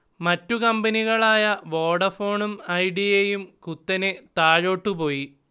മറ്റു കമ്പനികളായ വോഡഫോണും ഐഡിയയും കുത്തനെ താഴോട്ടുപോയി